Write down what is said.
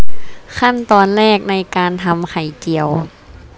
ขั้นตอนแรกในการทำไข่เจียว